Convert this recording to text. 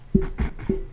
Wa